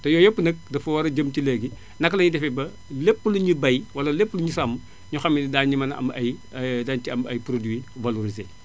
te yooyu yëpp nag dafa war a jëm ci léegi naka lañuy defee ba lépp luñu bay wala lépp luñu sàmm ñu xam ne daañu mën a am ay ay daañu ci am ay produits valorisés